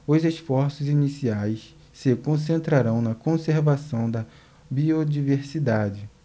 os esforços iniciais se concentrarão na conservação da biodiversidade